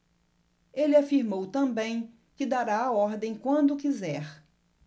ele afirmou também que dará a ordem quando quiser